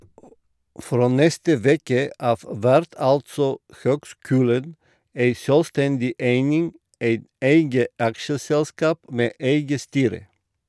Frå neste veke av vert altså høgskulen ei sjølvstendig eining, eit eige aksjeselskap med eige styre.